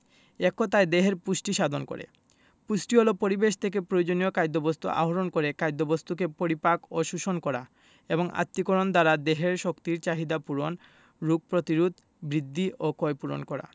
এক কথায় দেহের পুষ্টি সাধন করে পুষ্টি হলো পরিবেশ থেকে প্রয়োজনীয় খাদ্যবস্তু আহরণ করে খাদ্যবস্তুকে পরিপাক ও শোষণ করা এবং আত্তীকরণ দ্বারা দেহের শক্তির চাহিদা পূরণ রোগ প্রতিরোধ বৃদ্ধি ও ক্ষয়পূরণ করা